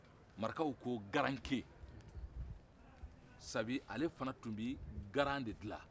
marakaw ko garankɛ sabu ale fɛnɛ tun bɛ garan de dilan